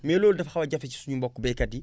mais loolu dafa xaw a jafe si suñu mbokku baykat yi